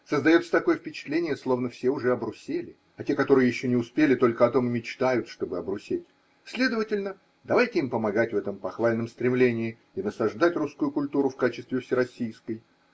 Создается такое впечатление, словно все уже обрусели, а те, которые еще не успели, только о том и мечтают, чтобы обрусеть: следовательно, давайте им помогать в этом похвальном стремлении и насаждать русскую культуру в качестве всероссийской.